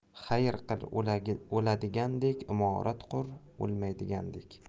xayr qil o'ladigandek imorat qur o'lmaydigandek